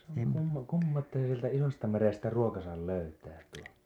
se on kumma kumma että se sieltä isosta merestä ruokansa löytää tuo